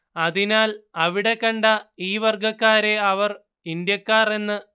അതിനാൽ അവിടെ കണ്ട ഈ വർഗ്ഗക്കാരെ അവർ ഇന്ത്യക്കാർ എന്ന്